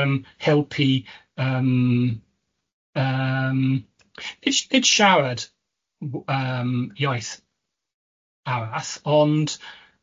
yym helpu yym yym, nid sh-, nid siarad w- yym iaith arall, ond